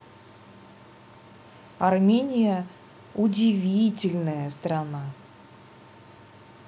армения удивительная страна